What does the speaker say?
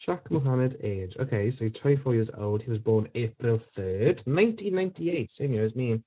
"Shaq Mohammad Age". Ok so he's 24 years old. He was born April third 1998. Same year as me.